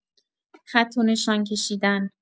خط و نشان کشیدن